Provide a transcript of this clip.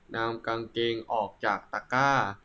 นำกางเกงออกจากตะกร้า